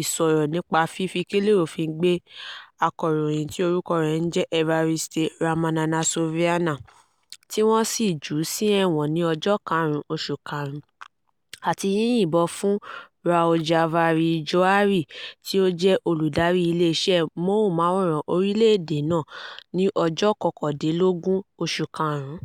ìṣọ̀rọ̀, nípa fífi kélé òfin gbé akọ̀ròyìn tí orúkọ rẹ̀ ń jẹ́ Evariste Ramanatsoavina, tí wọ́n sì jù ú sí ẹ̀wọ̀n ní ọjọ́ karùn-ún oṣù karùn-ún, àti yíyìnbọ̀n fún Ravoajanahary Johary, tí ó jẹ́ olùdarí ilé iṣẹ́ móhùnmáwòràn orílẹ̀ èdè náà ní ọjọ́ kọkàndínlógún oṣù karùn-ún.